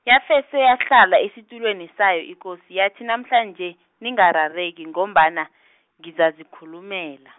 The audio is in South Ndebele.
yafese, yahlala esitulweni sayo ikosi yathi namhlanje, ningarareki ngombana , ngizazikhulumela.